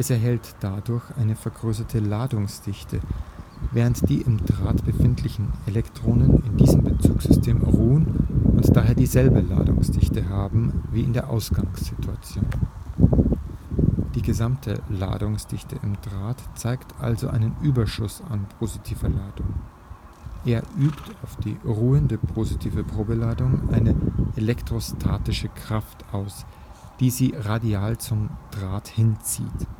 erhält dadurch eine vergrößerte Ladungsdichte, während die im Draht befindlichen Elektronen in diesem Bezugssystem ruhen und daher dieselbe Ladungsdichte haben wie in der Ausgangssituation. Die gesamte Ladungsdichte im Draht zeigt also einen Überschuss an positiver Ladung. Er übt auf die ruhende negative Probeladung eine elektrostatische Kraft aus, die sie radial zum Draht hinzieht